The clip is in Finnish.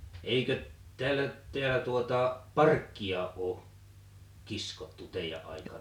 eikö täällä täällä tuota parkkia ole kiskottu teidän aikana